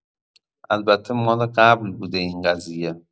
البته مال قبل بوده این قضیه!